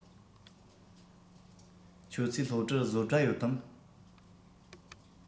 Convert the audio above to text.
ཁྱོད ཚོའི སློབ གྲྭར བཟོ གྲྭ ཡོད དམ